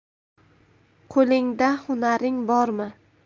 qo'lingda hunaring bormi